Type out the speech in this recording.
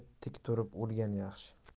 tik turib o'lgan yaxshi